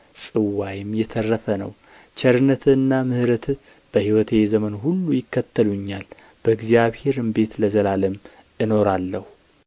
ጽዋዬም የተረፈ ነው ቸርነትህና ምሕረትህ በሕይወቴ ዘመን ሁሉ ይከተሉኛል በእግዚአሔርም ቤት ለዘላለም እኖራለሁ